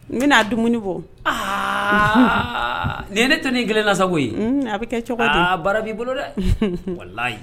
N bena dumuni bo aaaa ni ye ne toni ye n kelena sa koyi unn a bɛ kɛ cogo di aaa baara b'i bolo dɛ walayi